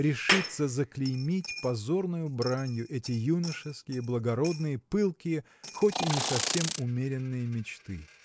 решится заклеймить позорною бранью эти юношеские благородные пылкие хоть и не совсем умеренные мечты?